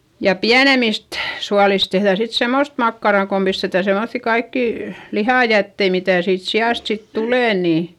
ja pienemmistä suolista tehdään sitten semmoista makkaraa kun pistetään semmoisia kaikkia lihajätteitä mitä siitä siasta sitten tulee niin